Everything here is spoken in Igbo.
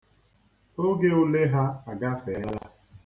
Oge ule ha agafeela.